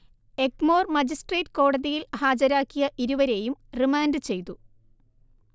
Egmore magistrate കോടതിയിൽ ഹാജരാക്കിയ ഇരുവരെയും റിമാൻഡ് ചെയ്തു